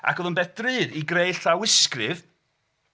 Ac oedd o'n beth drud i greu llawysgrif.